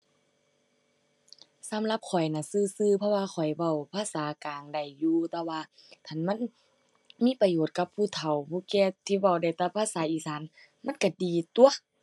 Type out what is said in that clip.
สำหรับข้อยน่ะซื่อซื่อ เพราะว่าข้อยเว้าภาษากลางได้อยู่ แต่ว่าถ้าคันมันมีประโยชน์กับผู้เฒ่าผู้แก่ที่เว้าได้แต่ภาษาอีสาน มันก็ดีตั่ว